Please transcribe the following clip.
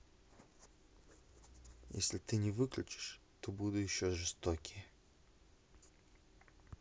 если ты это не выключишь то буду еще жестокие